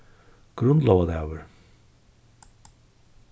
grundlógardagur